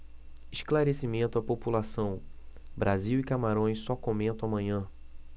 esclarecimento à população brasil e camarões só comento amanhã